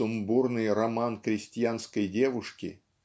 сумбурный роман крестьянской девушки)